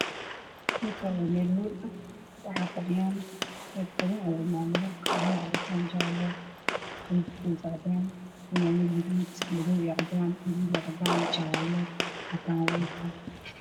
Halkaan waa meel hool ah waxaa fadhiyo rag badan oo cimaamado kale nuuc ah wato , jaale, cimaamad gaduud, madow iyo cadaan, jaale.